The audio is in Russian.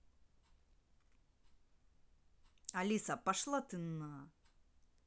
алиса пошла ты на